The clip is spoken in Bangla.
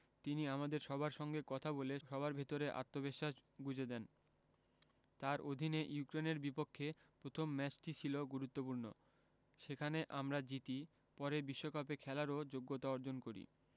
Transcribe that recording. তিনি আমাদের সবার সঙ্গে কথা বলে সবার ভেতরে আত্মবিশ্বাস গুঁজে দেন তাঁর অধীনে ইউক্রেনের বিপক্ষে প্রথম ম্যাচটি ছিল গুরুত্বপূর্ণ সেখানে আমরা জিতি পরে বিশ্বকাপে খেলারও যোগ্যতা অর্জন করি